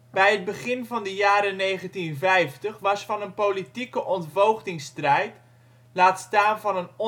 Bij het begin van de jaren 1950 was van een politieke ontvoogdingsstrijd - laat staan van een onafhankelijkheidsstreven